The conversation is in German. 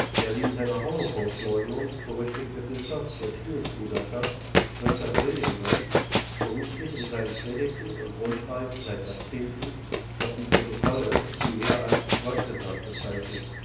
Der wegen seiner Holocaustleugnung berüchtigte Bischof der Piusbruderschaft, Richard Williamson, beruft sich in seinen Predigten und Rundschreiben seit Jahrzehnten auf die Protokolle, die er als „ gottgesandt “bezeichnet